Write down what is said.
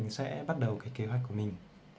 sau đấy mình sẽ bắt đầu kế hoạch của mình